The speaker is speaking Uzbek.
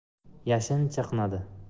yashin chaqnadi